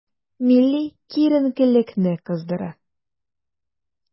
Милли киеренкелекне кыздыра.